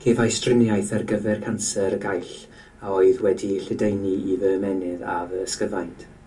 Cefais triniaeth ar gyfer canser y gaill a oedd wedi'i lledaenu i fy ymennydd a fy ysgyfaint.